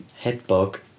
Hebog?